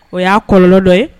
O y'a kɔnɔnlɔ dɔ ye